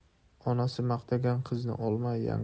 onasi maqtagan qizni olma